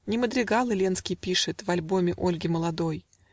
Не мадригалы Ленский пишет В альбоме Ольги молодой